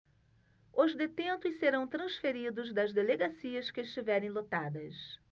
os detentos serão transferidos das delegacias que estiverem lotadas